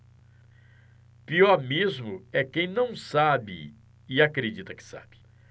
pior mesmo é quem não sabe e acredita que sabe